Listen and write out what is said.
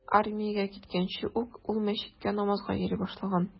Армиягә киткәнче ук ул мәчеткә намазга йөри башлаган.